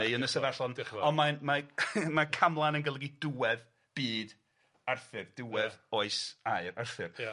Neu yn y on' mae'n mae mae Camlan yn golygu diwedd byd Arthur ddiwedd oes aur Arthur. Ia.